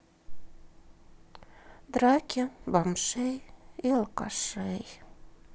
драки бомжей и алкашей